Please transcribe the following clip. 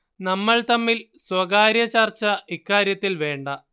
നമ്മൾ തമ്മിൽ സ്വകാര്യ ചർച്ച ഇക്കാര്യത്തിൽ വേണ്ട